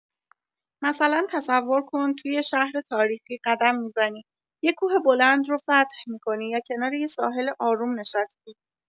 مثلا تصور کن تو یه شهر تاریخی قدم می‌زنی، یه کوه بلند رو فتح می‌کنی یا کنار یه ساحل آروم نشستی.